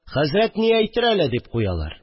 «хәзрәт ни әйтер әле!» – дип куялар